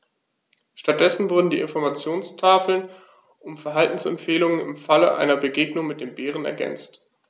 Stattdessen wurden die Informationstafeln um Verhaltensempfehlungen im Falle einer Begegnung mit dem Bären ergänzt.